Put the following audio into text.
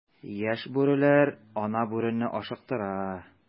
Яшь бүреләр ана бүрене ашыктыра.